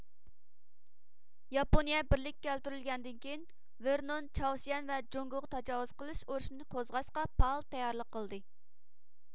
ياپونىيە بىرلىككە كەلتۈرۈلگەندىن كېيىن ۋېرنون چاۋشيەن ۋە جۇڭگوغا تاجاۋۇز قىلىش ئۇرۇشىنى قوزغاشقا پائال تەييارلىق قىلدى